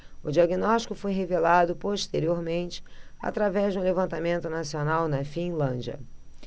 o diagnóstico foi revelado posteriormente através de um levantamento nacional na finlândia